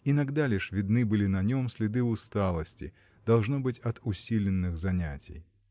Иногда лишь видны были на нем следы усталости – должно быть от усиленных занятий.